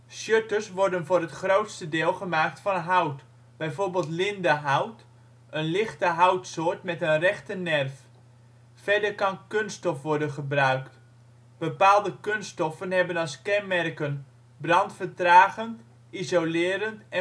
Shutters worden voor het grootste deel gemaakt van hout. Bijvoorbeeld lindehout, een lichte houtsoort met een rechte nerf. Verder kan kunststof worden gebruikt. Bepaalde kunststoffen hebben als kenmerken: brandvertragend, isolerend